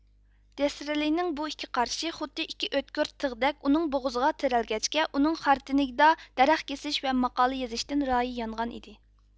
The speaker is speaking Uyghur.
دىسرېلىنىڭ بۇ ئىككى قارىشى خۇددى ئىككى ئۆتكۈر تىغدەك ئۇنىڭ بوغۇزىغا تىرەلگەچكە ئۇنىڭ خارتىنگدا دەرەخ كېسىش ۋە ماقالە يېزىشتىن رايى يانغان ئىدى